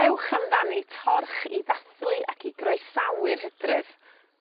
ewch amdani torch i ddathlu ac i groesawu'r Hydref.